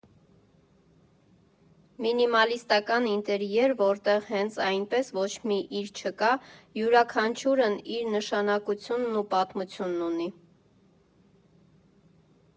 Մինիմալիստական ինտերյեր, որտեղ հենց այնպես ոչ մի իր չկա, յուրաքանչյուրն իր նշանակությունն ու պատմությունն ունի։